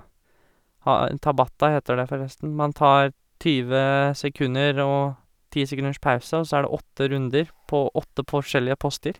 ha en Tabata heter det, forresten, man tar tjue sekunder og ti sekunders pause, og så er det åtte runder på åtte p forskjellige poster.